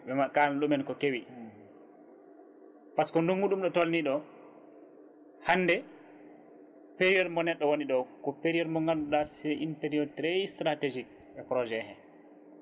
ɓe kalna ɗumen ko keewi par ce que ndugngu ɗum ɗo tolni ɗo hande période mo neɗɗo woniɗo ko période mo ganduɗa c' une période trés stratégique e projet he